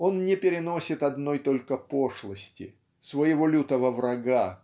он не переносит одной только пошлости своего лютого врага